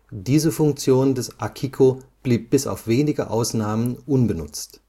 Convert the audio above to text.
diese Funktion des Akiko blieb bis auf wenige Ausnahmen unbenutzt